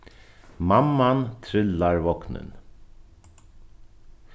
mamman trillar vognin